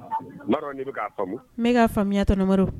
Ne'a faamuyamuya tɔnɔɔrɔ